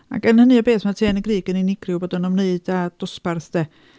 Ac yn hynny o beth, mae Te yn y Grug yn unigryw bod o'n ymwneud â dosbarth de.